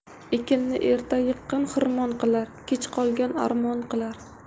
ekinni erta yiqqan xirmon qilar kech qolgan armon qilar